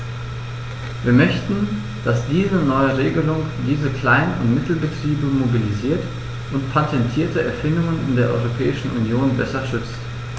Wir möchten, dass diese neue Regelung diese Klein- und Mittelbetriebe mobilisiert und patentierte Erfindungen in der Europäischen Union besser schützt.